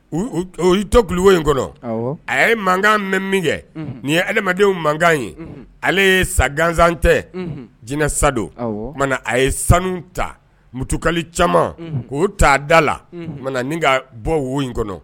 U' to buwo in kɔnɔ a ye mankan mɛn min kɛ ni ye adamadenw mankan ye ale ye sa gansan tɛ jinɛ sadu a ye sanu ta mutukali caman k'o' da la mana ni ka bɔ wo in kɔnɔ